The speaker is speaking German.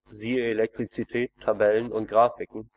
siehe Elektrizität/Tabellen und Grafiken